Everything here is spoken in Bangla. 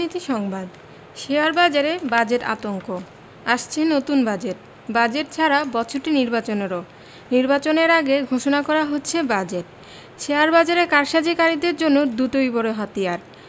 নীতি সংবাদ শেয়ারবাজারে বাজেট আতঙ্ক আসছে নতুন বাজেট বাজেট ছাড়া বছরটি নির্বাচনেরও নির্বাচনের আগে ঘোষণা করা হচ্ছে বাজেট শেয়ারবাজারের কারসাজিকারীদের জন্য দুটোই বড় হাতিয়ার